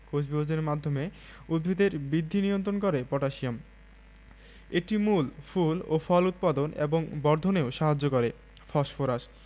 কোষবিভাজনের মাধ্যমে উদ্ভিদের বৃদ্ধি নিয়ন্ত্রণ করে পটাশিয়াম এটি মূল ফুল ও ফল উৎপাদন এবং বর্ধনেও সাহায্য করে ফসফরাস